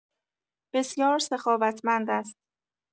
بسیار سخاوتمند است.